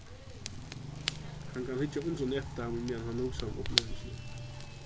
hann kann hyggja undrandi eftir teimum meðan hann hugsar um upplivingina